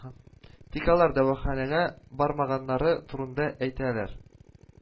Тик алар дәваханәгә бармаганнары турында әйтәләр